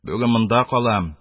Бүген монда калам,